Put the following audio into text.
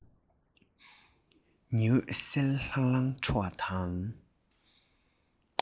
ཉི འོད གསལ ལྷང ལྷང འཕྲོ བ དང